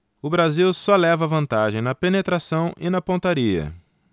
o brasil só leva vantagem na penetração e na pontaria